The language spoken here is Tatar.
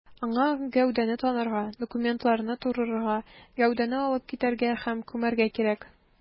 Аңа гәүдәне танырга, документларны турырга, гәүдәне алып китәргә һәм күмәргә кирәк.